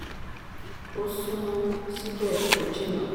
Ó súnmọ́, síbẹ̀ ó jìnà